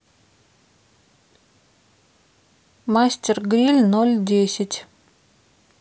мастер гриль ноль десять